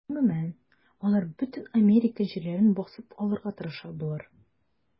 Гомумән, алар бөтен Америка җирләрен басып алырга тырыша булыр.